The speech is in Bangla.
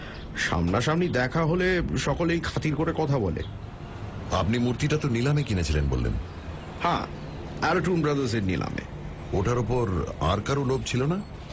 সামনাসামনি দেখা হলে সকলেই খাতির করে কথা বলে আপনি মূর্তিটা তো নিলামে কিনেছিলেন বললেন হ্যাঁ অ্যারাটুন ব্রাদার্সের নিলামে ওটার ওপর আর কারও লোভ ছিল না